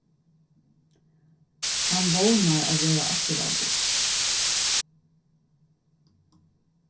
hann vónar at verða afturvaldur